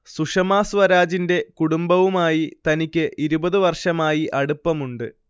സുഷമാ സ്വരാജിന്റെ കുടുംബവുമായി തനിക്ക് ഇരുപത്‌ വർഷമായി അടുപ്പമുണ്ട്